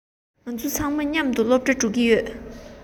ང ཚོ མཉམ དུ སློབ གྲྭར འགྲོ གི ཡོད